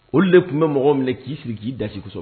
Olu de tun bɛ mɔgɔ min minɛ k'i sigi k'i da sigi kɔsɔ